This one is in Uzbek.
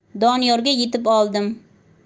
doniyorga yetib oldim